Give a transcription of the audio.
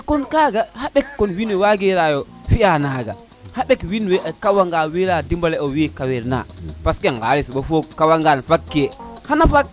kon kaga xa ɓekun wine wageya ro fiya naga xa mbek wiin we kawa nga wera dimale we kaweer na parce que ŋalis o foog kawa ngan fag ke xana fag